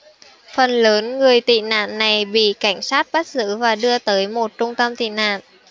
phần lớn người tị nạn này bị cảnh sát bắt giữ và đưa tới một trung tâm tị nạn